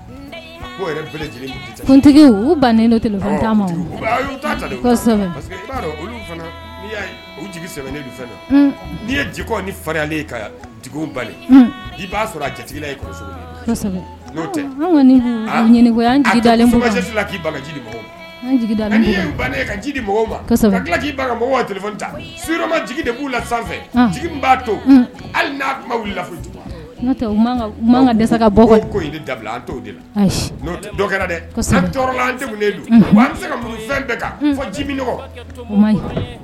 I'a sɔrɔ jatigi k'i b'u la'a to hali tun wili da bɛ se ka fɛn kan